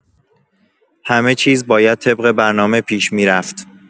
همه‌چیز باید طبق برنامه پیش می‌رفت.